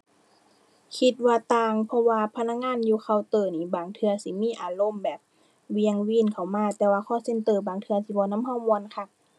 คิดว่าต่าง เพราะว่าพนักงานอยู่เคาน์เตอร์นี่ บางเทื่อสิมีอารมณ์แบบเหวี่ยงวีนเข้ามา แต่ว่า call center บางเทื่อสิเว้านำเราม่วนคัก